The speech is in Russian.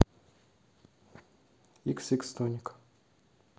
икс икс тоник